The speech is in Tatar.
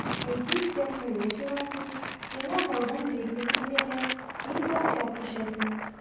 Әйтик, сәхнәгә чыгасың, сиңа залдан реплика бирәләр, син каушап төшәсең.